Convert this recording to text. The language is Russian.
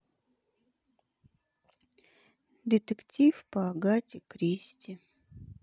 детектив по агате кристи